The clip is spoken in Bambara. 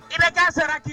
I bɛ taa sara k'i